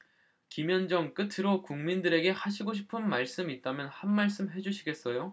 김현정 끝으로 국민들에게 하시고 싶은 말씀 있다면 한 말씀 해주시겠어요